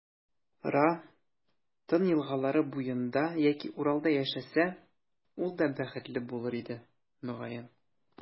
Ра, Тын елгалары буенда яки Уралда яшәсә, ул да бәхетле булыр иде, мөгаен.